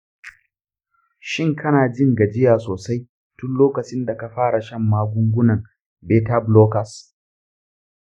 shin kana jin gajiya sosai tun lokacin da ka fara shan magungunan beta blockers?